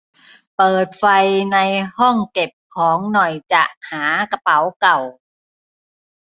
เปิดไฟในห้องเก็บของหน่อยจะหากระเป๋าเก่า